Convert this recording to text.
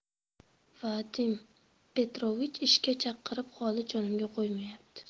vadim petrovich ishga chaqirib holi jonimga qo'ymayapti